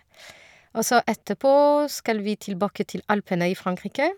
Og så etterpå skal vi tilbake til Alpene i Frankrike.